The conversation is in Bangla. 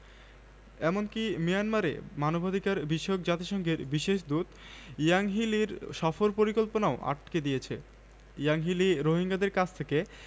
১১ জানুয়ারি ২০১৮ কালের কন্ঠ হতে সংগৃহীত